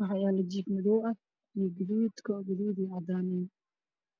waxay yaalla jiif jiifka midabkiisu waa binki